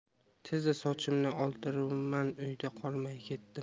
tezda sochimni oldirdimu uyda qolmay ketdim